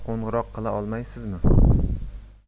qo'ng'iroq qila olmaysizmi